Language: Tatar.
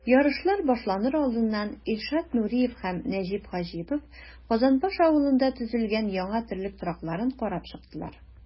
Ярышлар башланыр алдыннан Илшат Нуриев һәм Нәҗип Хаҗипов Казанбаш авылында төзелгән яңа терлек торакларын карап чыктылар.